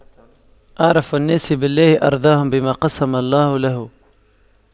أعرف الناس بالله أرضاهم بما قسم الله له